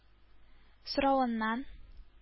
Соравыннан